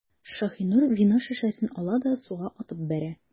Шаһинур вино шешәсен ала да суга атып бәрә.